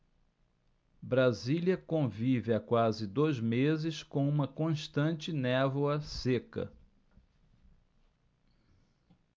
brasília convive há quase dois meses com uma constante névoa seca